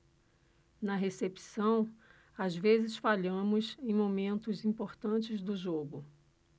na recepção às vezes falhamos em momentos importantes do jogo